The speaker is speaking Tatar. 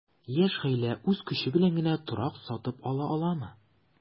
Яшь гаилә үз көче белән генә торак сатып ала аламы?